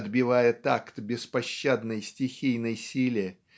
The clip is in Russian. отбивая такт беспощадной стихийной силе